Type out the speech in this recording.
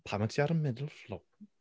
Pam wyt ti ar y middle floor?